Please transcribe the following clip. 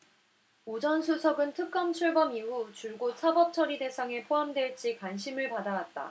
우 전 수석은 특검 출범 이후 줄곧 사법처리 대상에 포함될지 관심을 받아왔다